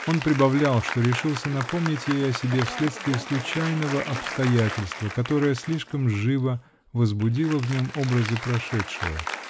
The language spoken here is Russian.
Он прибавлял, что решился напомнить ей о себе вследствие случайного обстоятельства, которое слишком живо возбудило в нем образы прошедшего